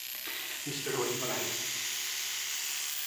Mister Owens ma' raid.